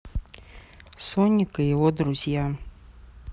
соник и его друзья